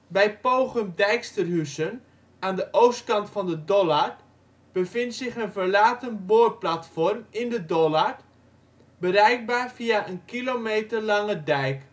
Bij Pogum-Dyksterhusen, aan de oostkant van de Dollard, bevindt zich een verlaten boorplatform in de Dollard, bereikbaar via een kilometer lange dijk